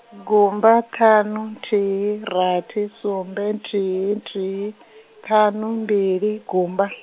gumba ṱhanu thihi rathi sumbe thihi thihi, ṱhanu mbili gumba.